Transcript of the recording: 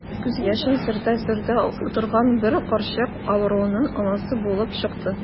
Күз яшен сөртә-сөртә утырган бер карчык авыруның анасы булып чыкты.